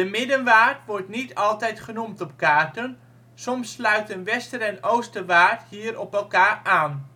Middenwaard wordt niet altijd genoemd op kaarten; soms sluiten Wester - en Oosterwaard hier op elkaar aan